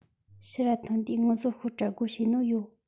ཕྱིར ར ཐོན དུས ངུ བཟོ ཤོད དྲ སྒོ ཕྱེ ནོ ཡོད